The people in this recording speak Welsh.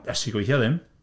Iesu, gobeithio ddim!